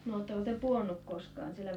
no oletteko te pudonnut koskaan siellä -